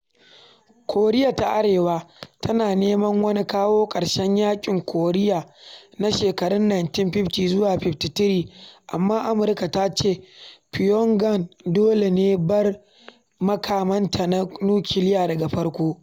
Koriya ta Arewa tana neman wani kawo wa ƙarshen Yaƙin Koriya na shekarun 1950 zuwa 53, amma Amurkan ta ce Pyongyang dole ta bar makamanta na nukiliya daga farko.